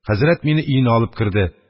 Хәзрәт мине өенә алып керде.